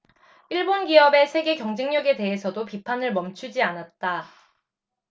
일본 기업의 세계 경쟁력에 대해서도 비판을 멈추지 않았다